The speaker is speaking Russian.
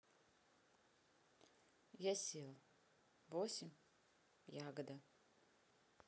я сел восемь ягода